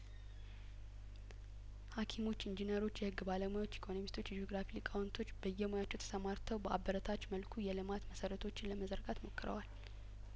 ሀኪሞች ኢንጂነሮች የህግ ባለሙያዎች ኢኮኖሚ ስቶች የጂኦግራፊ ሊቃውንቶች በየሙያቸው ተሰማርተው በአበረታች መልኩ የልማት መሰረቶችን ለመዘርጋት ሞክረዋል